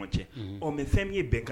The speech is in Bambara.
Fɛn' ye